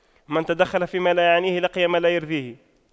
من تدخل فيما لا يعنيه لقي ما لا يرضيه